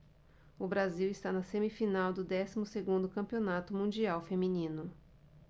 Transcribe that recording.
o brasil está na semifinal do décimo segundo campeonato mundial feminino